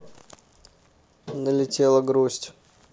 налетела грусть